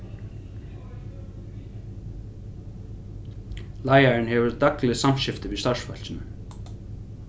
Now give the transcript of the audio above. leiðarin hevur dagligt samskifti við starvsfólkini